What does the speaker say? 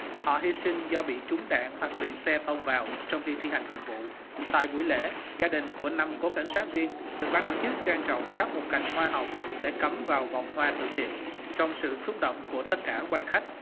họ hy sinh do bị trúng đạn hoặc bị xe tông vào trong khi thi hành nhiệm vụ tại buổi lễ gia đình của năm cố cảnh sát riêng được ban tổ chức trang trọng phát một cành hoa hồng để cắm vào vòng hoa tưởng niệm trong sự xúc động của tất cả quan khách